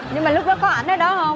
nhưng mà lúc đó có ảnh ở đó không